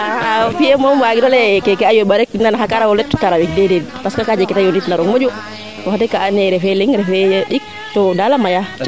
xa' a tiye moom waagiro leye keeke a yomba rek nan xa karaw ret karawik deded parce que kaa jeg keete yonit na roog moƴu wax deg kaa ando naye refe leŋ refee ɗik to daal a maya